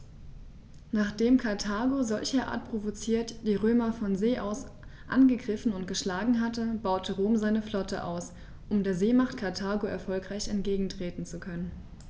Nachdem Karthago, solcherart provoziert, die Römer von See aus angegriffen und geschlagen hatte, baute Rom seine Flotte aus, um der Seemacht Karthago erfolgreich entgegentreten zu können.